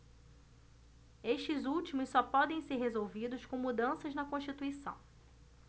estes últimos só podem ser resolvidos com mudanças na constituição